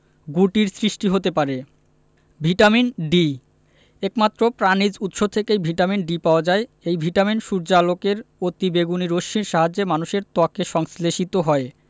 গুটির সৃষ্টি হতে পারে ভিটামিন ডি একমাত্র প্রাণিজ উৎস থেকেই ভিটামিন ডি পাওয়া যায় এই ভিটামিন সূর্যালোকের অতিবেগুনি রশ্মির সাহায্যে মানুষের ত্বকে সংশ্লেষিত হয়